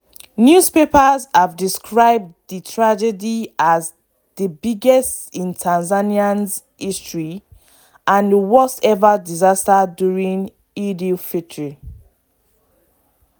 Newspapers have described the tragedy as “the biggest in Tanzania's history” and “the worst-ever disaster during Eid al-Fitr”.